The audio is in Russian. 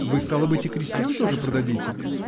Вы, стало быть, и крестьян тоже продадите?